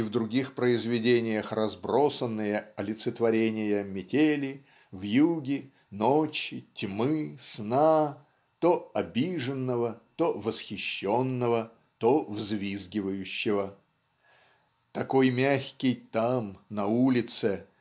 и в других произведениях разбросанные олицетворения метели вьюги ночи тьмы сна то "обиженного" то "восхищенного" то "взвизгивающего" "такой мягкий там на улице